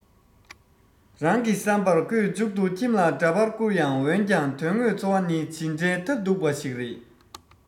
རིང གི བསམ པར ཁོས མཇུག ཏུ ཁྱིམ ལ འདྲ པར བསྐུར ཡང འོན ཀྱང དོན དངོས འཚོ བ ནི ཇི འདྲའི ཐབས སྡུག པ ཞིག རེད